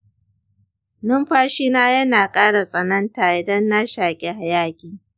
numfashina yana ƙara tsananta idan na shaƙi hayaƙi.